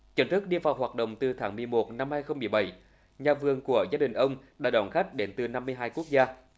chính thức đi vào hoạt động từ tháng mười một năm hai không mười bảy nhà vườn của gia đình ông đã đón khách đến từ năm mươi hai quốc gia